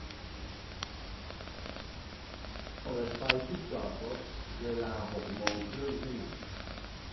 เปิดไฟที่จอดรถเวลาหกโมงครึ่งให้หน่อย